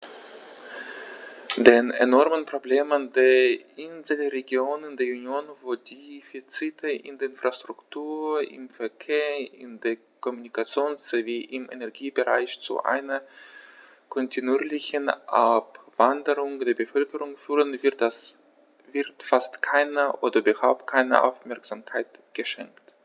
Den enormen Problemen der Inselregionen der Union, wo die Defizite in der Infrastruktur, im Verkehr, in der Kommunikation sowie im Energiebereich zu einer kontinuierlichen Abwanderung der Bevölkerung führen, wird fast keine oder überhaupt keine Aufmerksamkeit geschenkt.